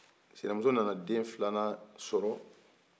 sinamuso nana den filanan sɔrɔ